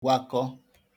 gwakọ̄